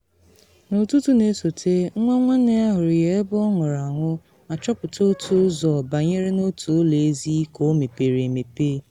N’ụtụtụ na esote, nwa nwanne ya hụrụ ya ebe ọ nwụrụ anwụ, ma chọpụta otu ụzọ banyere n’otu ụlọ ezi ka ọ mepere emepe.